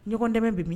Ɲɔgɔn dɛmɛmɛ bɛ min